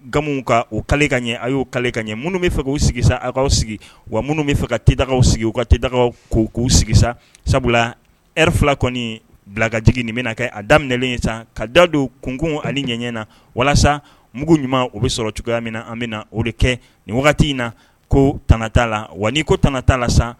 Gamiw ka'o kalile ka ɲɛ a y'o kalile ka ɲɛ minnu bɛ fɛ k'u sigi awkaw sigi wa minnu bɛ fɛ ka te taga sigi u ka te taga' k'u sigi sabula fila kɔni ye bilajigi nin bɛna kɛ a daminɛlen ye san ka dadon kunkun ani ɲɛy na walasa mugu ɲuman o bɛ sɔrɔ cogoya min na an bɛna na o de kɛ nin wagati in na ko tan t'a la wa n ko tanta' la san